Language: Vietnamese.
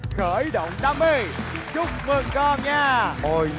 khởi động đam mê chúc mừng con nha ôi